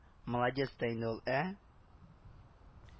Молодец та инде ул, ә